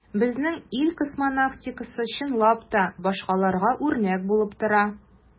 Безнең ил космонавтикасы, чынлап та, башкаларга үрнәк булып тора.